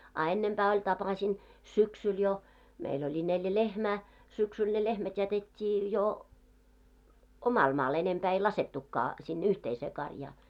a ennempää oli tapasin syksyllä jo meillä oli neljä lehmää syksyllä ne lehmät jätettiin jo omalle maalle enempää ei laskettukaan sinne yhteiseen karjaa